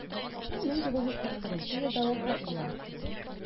Ул 1941 елда вафат була.